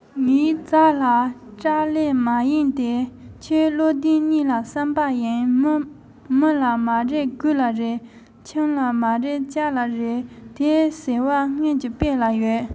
ངེད བྱ ལ སྐྲག ལེ མ ཡིན ཏེ ཁྱོད བློ ལྡན གཉིས ལ བསམས པ ཡིན མི ལ མ རེ གོས ལ རེ ཁྱི ལ མ རེ ལྕགས ལ རེ དེ ཟེར བ སྔོན གྱི དཔེ ལ ཡོད